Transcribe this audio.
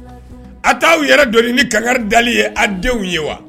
A' t'aw yɛrɛ doni ni kangari dali ye a denw ye wa